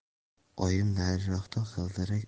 oyim nariroqda g'ildirak ushlab